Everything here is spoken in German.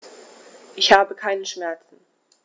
Ich habe keine Schmerzen.